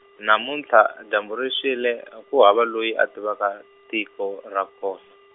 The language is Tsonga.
namuntlha dyambu ri xile a ku hava loyi a tivaka, tiko ra kona.